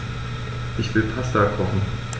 Ich will Pasta kochen.